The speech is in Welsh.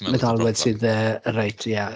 Meddalwedd sydd yy reit ie.